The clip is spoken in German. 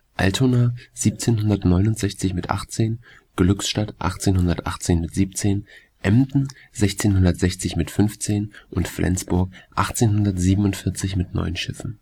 Altona 1769 mit 18, Glückstadt 1818 mit 17, Emden 1660 mit 15 und Flensburg 1847 mit 9 Schiffen